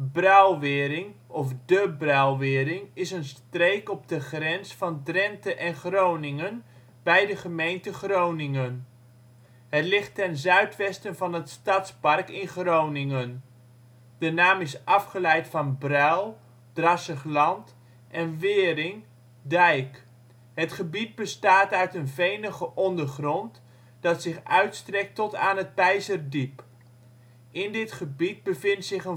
Bruilweering of De Bruilweering is een streek op de grens van Drenthe en Groningen bij de gemeente Groningen. Het ligt ten zuidwesten van het Stadspark in Groningen. De naam is afgeleid van bruil (drassig land) en weering (dijk). Het gebied bestaat uit een venige ondergrond dat zich uitstrekt tot aan het Peizerdiep. In dit gebied bevindt zich